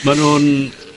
ma' nw'n